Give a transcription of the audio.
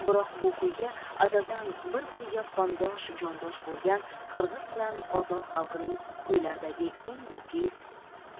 biroq bu kuyga azaldan bir biriga qondosh jondosh bo'lgan qirg'iz bilan qozoq xalqining kuylaridagi eng nafis